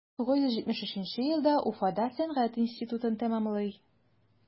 1973 елда уфада сәнгать институтын тәмамлый.